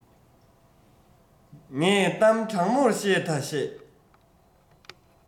ངས གཏམ དྲང མོར བཤད ད བཤད